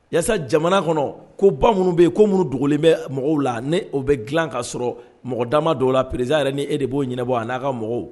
Yasa jamana kɔnɔ, ko ba minnu bɛ yen, ko minnu dogolen bɛ mɔgɔw la, ni o bɛ dilan ka sɔrɔ mɔgɔ da ma don a la, président yɛrɛ ni e de b'o ɲɛnabɔ a n'a ka mɔgɔw.